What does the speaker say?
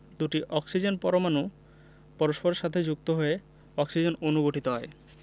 দুটি অক্সিজেন পরমাণু পরস্পরের সাথে যুক্ত হয়ে অক্সিজেন অণু গঠিত হয়